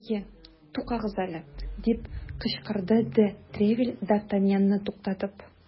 Әйе, тукагыз әле! - дип кычкырды де Тревиль, д ’ Артаньянны туктатып.